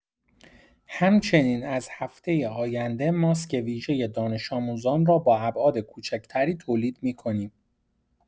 همچنین از هفته آینده ماسک ویژه دانش‌آموزان را با ابعاد کوچک‌تری تولید می‌کنیم.